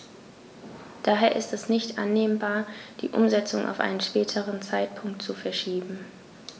Daher ist es nicht annehmbar, die Umsetzung auf einen späteren Zeitpunkt zu verschieben.